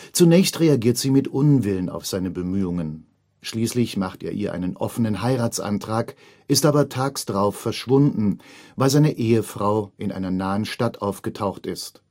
Zunächst reagiert sie mit Unwillen auf seine Bemühungen. Schließlich macht er ihr einen offenen Heiratsantrag, ist aber tagsdrauf verschwunden, weil seine Ehefrau in einer nahen Stadt aufgetaucht ist